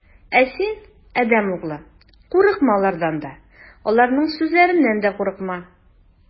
Ә син, адәм углы, курыкма алардан да, аларның сүзләреннән дә курыкма.